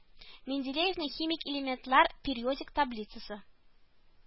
Менделеевның химик элементлар периодик таблицасы